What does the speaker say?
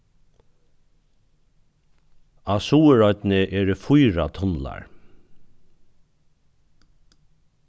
á suðuroynni eru fýra tunlar